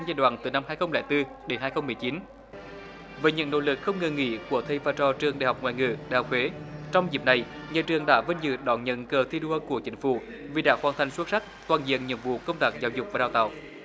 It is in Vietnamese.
giai đoạn từ năm hai không lẻ tư để hai không mười chín với những nỗ lực không ngừng nghỉ của thầy và trò trường đại học ngoại ngữ đại học huế trong dịp này nhiều trường đã vinh dự đón nhận cờ thi đua của chính phủ vì đã hoàn thành xuất sắc toàn diện nhiệm vụ công tác giáo dục và đào tạo